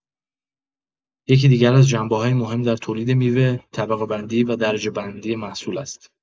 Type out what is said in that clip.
یکی دیگر از جنبه‌های مهم در تولید میوه، طبقه‌بندی و درجه‌بندی محصول است.